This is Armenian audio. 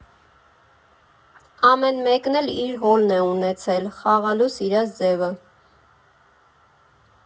Ամեն մեկն իր հոլն է ունեցել, խաղալու սիրած ձևը։